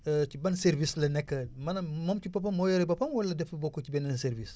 ci ban service la nekk maanaam moom ci boppam moo yore boppam wala dafa bokk ci beneen service